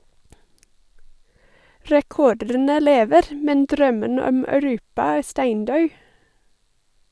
Rekordene lever, men drømmen om Europa er steindau.